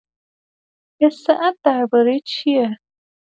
قصه‌ات درباره چیه؟